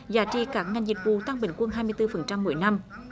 giá trị các ngành dịch vụ tăng bình quân hai mươi tư phần trăm mỗi năm